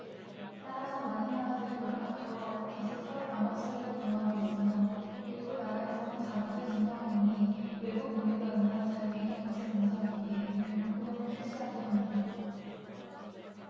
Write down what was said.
따라서 많은 나라들은 앞다투어 디지털 방어 체계를 강화하고 있으며 일부 나라에서는 자국의 전산망이 외부 공격에 얼마나 잘 대응하는지 검사하기 위해 대규모 훈련을 실시하기도 합니다